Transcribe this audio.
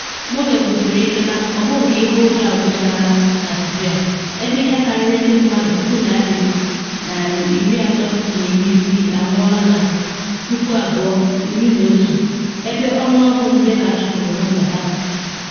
Moualem kwusiri ike na “ọgụ nke ihe ụjọ agwụchaala” na Syria, ebe ihe karịrị ndị mmadụ 360,000 anwụọla na 2011, ebe ọnụọgụ nde ka achụpụrụ n’ụlọ ha.